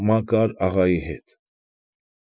Մակար աղայի հետ։